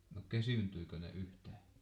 no kesyyntyikö ne yhtään